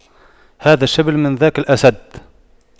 هذا الشبل من ذاك الأسد